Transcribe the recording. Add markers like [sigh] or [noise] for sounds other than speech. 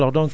[hesitation] [hesitation]